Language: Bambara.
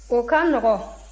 o ka nɔgɔn